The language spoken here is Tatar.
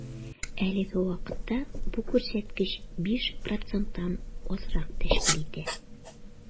Әлеге вакытта бу күрсәткеч 5 проценттан азрак тәшкил итә.